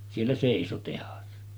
siellä seisoi tehdas